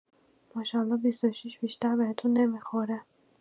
ماشالا ۲۶ بیشتر بهتون نمی‌خوره